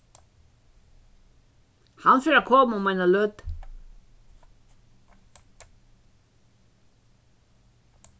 hann fer at koma um eina løtu